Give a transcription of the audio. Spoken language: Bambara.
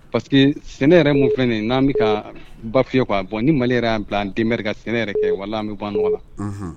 Pa que sɛnɛ yɛrɛ mun fɛn n'an bɛ ka ba fiye ka a bɔ ni mali yɛrɛ' bila n den ka sɛnɛ yɛrɛ kɛ wala an bɛ ban nɔgɔ la